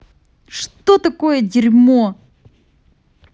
что такое дерьмо